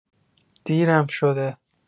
دیرم شده.